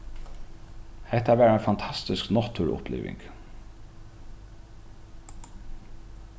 hetta var ein fantastisk náttúruuppliving